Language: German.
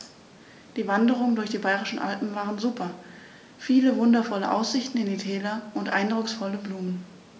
Die Wanderungen durch die Bayerischen Alpen waren super. Viele wundervolle Aussichten in die Täler und eindrucksvolle Blumen.